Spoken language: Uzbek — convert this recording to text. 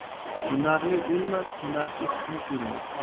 hunarli o'lmas hunarsiz kun ko'rmas